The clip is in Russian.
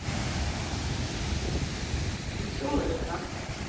веселая такса